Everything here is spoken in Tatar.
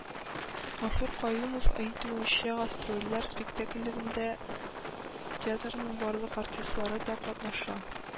Гафур Каюмов әйтүенчә, гастрольләр спектакльләрендә театрның барлык артистлары да катнаша